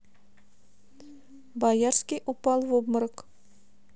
боярский упал в обморок